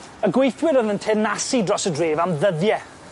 Y gweithwyr o'dd yn teyrnasu dros y dref am ddyddie.